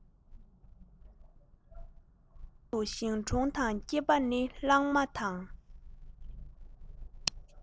འོག ཏུ ཞིང གྲོང དང སྐེད པ ནི གླང མ དང